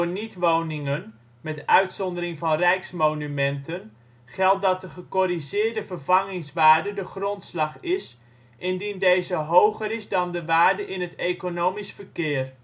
niet-woningen (met uitzondering van Rijksmonumenten) geldt dat de gecorrigeerde vervangingswaarde de grondslag is indien deze hoger is dan de waarde in het economisch verkeer